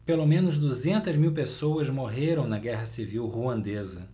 pelo menos duzentas mil pessoas morreram na guerra civil ruandesa